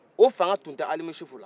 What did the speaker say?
o fangan tun tɛ alimusufu la